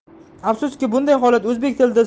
afsuski bunday holat o'zbek tilida